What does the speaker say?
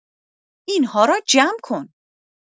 این‌ها را جمع‌کن.